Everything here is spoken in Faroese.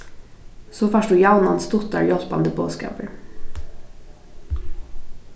so fært tú javnan stuttar hjálpandi boðskapir